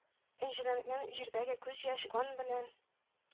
Энҗеләнгән җирдәге күз яшь, кан белән!